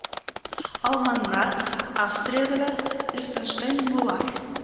Алманнар, австриялеләр, лихтенштейнлылар